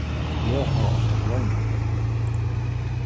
bløð hava ofta greinar